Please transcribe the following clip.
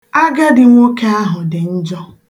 Agadi nwoke ahụ dị njọ